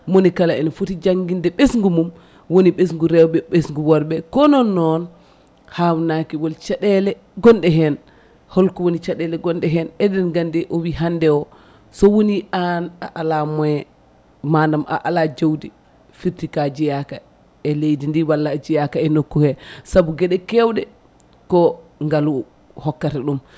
monikala ene foti jangguinde ɓesgu mum woni ɓesgu rewɓe ɓesgu worɓe kono noon hawnaki won caɗele gonɗe hen holko woni caɗele gonɗe hen ɗe eɗen gandi o wi hande o so woni an a ala moyen manam a ala jawdi fiirti ka jeyaka e leydi ndi walla a jeyaka e nokku he saabu gueɗe kewɗe ko ngaalu hokkata ɗum